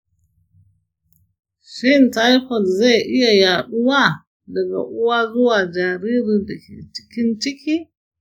shin taifoid zai iya yaɗuwa daga uwa zuwa jaririn da ke cikin ciki?